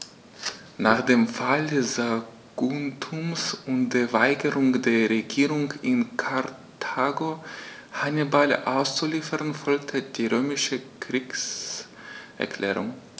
Nach dem Fall Saguntums und der Weigerung der Regierung in Karthago, Hannibal auszuliefern, folgte die römische Kriegserklärung.